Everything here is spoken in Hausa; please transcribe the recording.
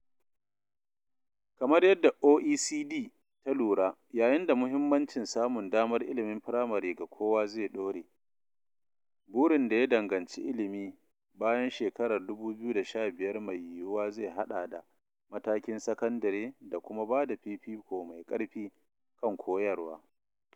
Kamar yadda OECD ta lura, yayin da mahimmancin samun damar ilimin firamare ga kowa zai ɗore, burin da ya danganci ilimi bayan shekarar 2015 mai yiwuwa zai haɗa da matakin sakandare, da kuma bada fifiko mai ƙarfi kan koyarwa.